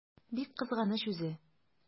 Бик кызганыч үзе!